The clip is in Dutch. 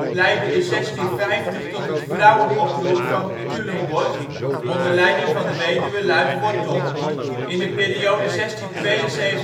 leidde in 1650 tot ' het vrouwenoproer van Culemborg ' onder leiding van de weduwe Luyt Wortel. In de periode 1672-1674